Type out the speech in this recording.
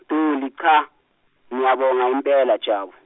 Dolly, cha, ngiyabonga impela Jabu.